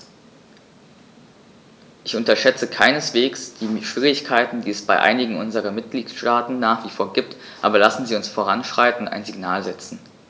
Ich unterschätze keineswegs die Schwierigkeiten, die es bei einigen unserer Mitgliedstaaten nach wie vor gibt, aber lassen Sie uns voranschreiten und ein Signal setzen.